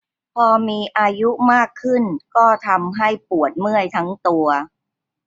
พอมีอายุมากขึ้นมากก็ทำให้ปวดเมื่อยทั้งตัว